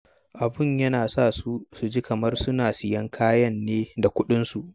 Abun yana sa su, su ji kamar suna siyan kayan ne da kuɗinsu.